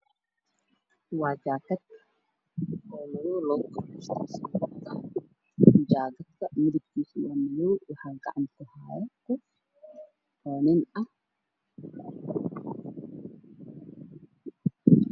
Waa jaakad midabkiisu waa madow waxaa gacanta kuhayo nin.